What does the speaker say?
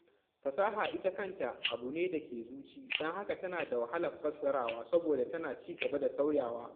Fasaha ita kanta abu ne da ke zuci don haka tana da wahalar fassarawa saboda tana ci gaba da sauyawa.